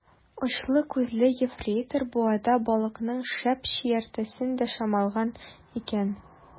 Очлы күзле ефрейтор буада балыкның шәп чиертәсен дә чамалаган икән.